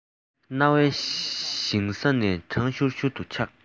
སྣང བའི ཞིང ས ནས གྲང ཤུར ཤུར དུ ཆག